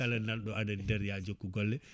kala nanɗo aɗani nder ya jokku golle